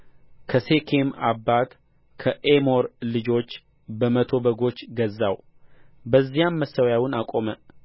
ከሴኬም አባት ከኤሞር ልጆች በመቶ በጎች ገዛው በዚያም መሠውያውን አቆመ